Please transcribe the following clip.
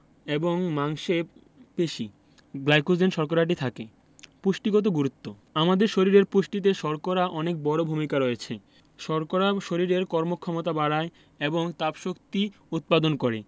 এবং মাংসে পেশি গ্লাইকোজেন শর্করাটি থাকে পুষ্টিগত গুরুত্ব আমাদের শরীরের পুষ্টিতে শর্করার অনেক বড় ভূমিকা রয়েছে শর্করা শরীরের কর্মক্ষমতা বাড়ায় এবং তাপশক্তি উৎপাদন করে